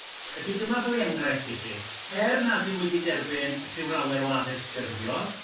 Felly dyma ddwy engraifft i chi er nad yw wedi derbyn rhyw lawer o addysg ffurfiol